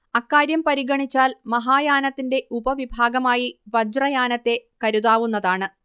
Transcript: അക്കാര്യം പരിഗണിച്ചാൽ മഹായാനത്തിന്റെ ഉപവിഭാഗമായി വജ്രയാനത്തെ കര്താവുന്നതാണ്